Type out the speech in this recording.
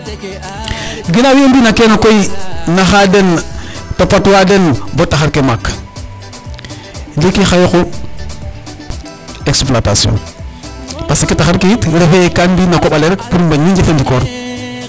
Ginaaw yee i mbi'na kene koy naxaa den, topatwaa den bo taxar ke maak ndiiki xa yoqu exploitation parce que taxar ke yit refee yee gan mbi'in na koƥ ale rek mbañin o njefanikoor.